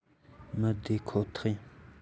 མཐའ སྣེའི ཐོན རྫས བཙོང བ ལ བརྟེན མི རུང